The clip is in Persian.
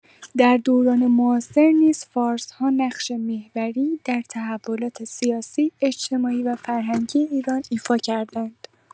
در دوران معاصر نیز فارس‌ها نقش محوری در تحولات سیاسی، اجتماعی و فرهنگی ایران ایفا کرده‌اند.